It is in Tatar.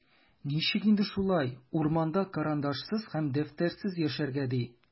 Ничек инде шулай, урманда карандашсыз һәм дәфтәрсез яшәргә, ди?!